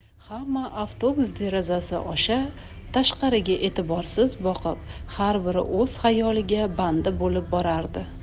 hamma avtobus derazasi osha tashqariga e'tiborsiz boqib har biri o'z xayoliga bandi bo'lib borardi